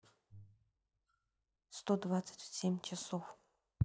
сто двадцать семь часов